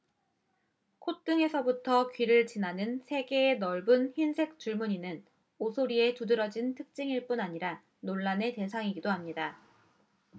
콧등에서부터 귀를 지나는 세 개의 넓은 흰색 줄무늬는 오소리의 두드러진 특징일 뿐 아니라 논란의 대상이기도 합니다